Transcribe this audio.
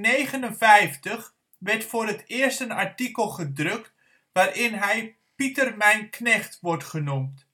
1859 werd voor het eerst een artikel gedrukt waarin hij Pieter mijn knecht wordt genoemd